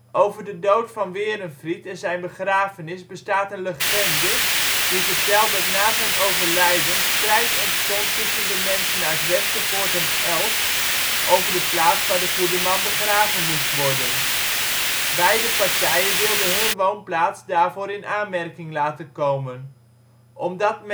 Over de dood van Werenfried en zijn begrafenis bestaat een legende, die vertelt dat na zijn overlijden strijd ontstond tussen de mensen uit Westervoort en Elst over de plaats waar de goede man begraven moest worden. Beide partijen wilden hun woonplaats daarvoor in aanmerking laten komen. Omdat